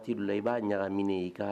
T'i bila i b'a ɲagamine i kaa